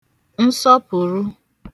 nsọpụ̀rụ